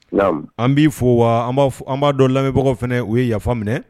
An b'i fɔ wa an b'a dɔn lamɛnbagaw fana u ye yafa minɛ